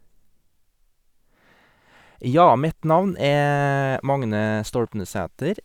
Ja, mitt navn er Magne Stolpnessæter.